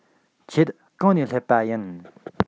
ཁྱེད གང ནས སླེབས པ ཡིན